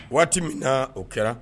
Waati min na o kɛra